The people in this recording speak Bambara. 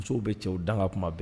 Musow be cɛw daŋa tuma bɛɛ